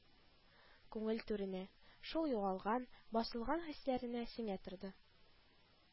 Күңел түренә, шул югалган, басылган хисләренә сеңә торды